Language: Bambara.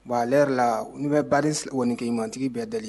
Wa ale yɛrɛ la n bɛ ba wain k matigi bɛɛ deli